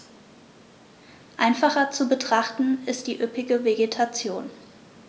Einfacher zu betrachten ist die üppige Vegetation.